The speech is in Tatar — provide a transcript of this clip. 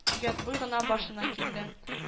Дигән уй гына башына килде